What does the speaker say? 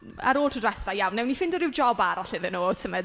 Ar ôl tro dwytha iawn, wnawn ni ffeindio ryw jòb arall iddyn nhw, timod.